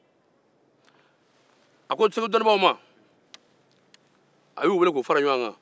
a ye segu dɔnnibaw weele k'u fara jɔgɔn kan